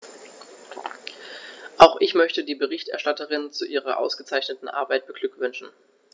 Auch ich möchte die Berichterstatterin zu ihrer ausgezeichneten Arbeit beglückwünschen.